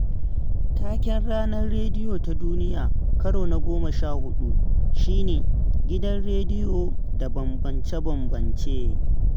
Taken Ranar Rediyo Ta Duniya karo na 14 shi ne '' Gidan rediyo da bambance-bambance”